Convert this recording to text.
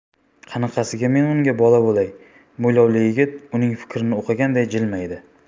qanaqasiga men unga bola bo'lay mo'ylovli yigit uning fikrini o'qiganday jilmaydi